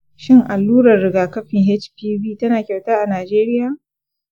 shin allurar rigakafin hpv tana kyauta a najeriya?